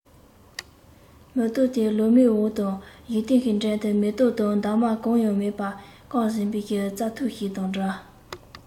མེ ཏོག དེའི ལོ མའི འོག དང གཞུང རྟའི འགྲམ དུ མེ ཏོག དང འདབ མ གང ཡང མེད པ བསྐམས ཟིན པའི རྩི ཐུར ཞིག དང འདྲ